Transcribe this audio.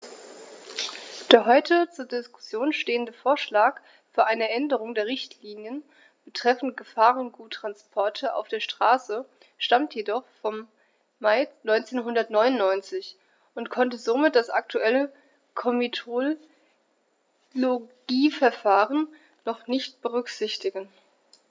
Der heute zur Diskussion stehende Vorschlag für eine Änderung der Richtlinie betreffend Gefahrguttransporte auf der Straße stammt jedoch vom Mai 1999 und konnte somit das aktuelle Komitologieverfahren noch nicht berücksichtigen.